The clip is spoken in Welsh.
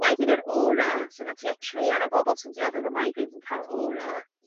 Wedyn yr aura so ma' tua treian o bobol sy'n diodde efo migraines yn ca'l aura.